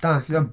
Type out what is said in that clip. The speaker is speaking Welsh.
Dallt rŵan.